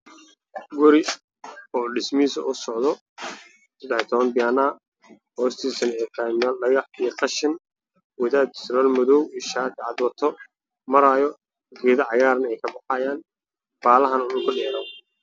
Guri oo dhismeyso socdo oo saddex toban biyan ah hoostiisana waxay yaalo qashin